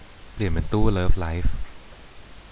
เปลี่ยนเป็นตู้เลิฟไลฟ์